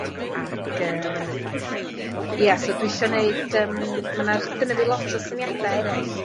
Ac yy ia so dwi isio neud yym ma' 'na gynna fi lot o syniada eraill